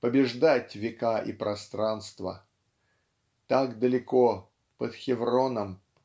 побеждать века и пространства. Так далеко под Хевроном